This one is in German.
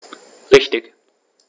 Richtig